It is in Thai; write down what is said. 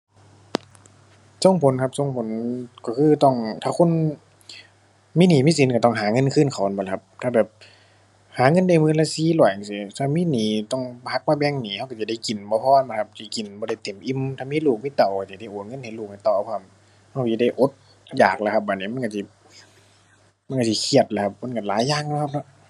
ส่งผลครับส่งผล ก็คือต้อง ถ้าคนมีหนี้มีสินก็ต้องหาเงินคืนเขาแม่นบ่ล่ะครับ ถ้าแบบหาเงินได้มื้อละสี่ร้อยจั่งซี้ ถ้ามีหนี้ต้องหักมาแบ่งหนี้ ก็ก็สิได้กินบ่พอแม่นบ่ครับ สิกินบ่ได้เต็มอิ่ม ถ้ามีลูกมีเต้าก็สิได้โอนเงินให้ลูกให้เต้าพร้อม ก็อิได้อดอยากแหละครับบัดนี้มันก็สิ มันก็สิเครียดแหละครับ มันก็หลายอย่างเนาะครับเนาะ